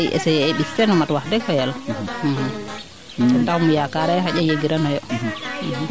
xa'a i essayer mbis seno mat wax deg fa yala ten taxu um yakaaree xaƴa yegiranoyo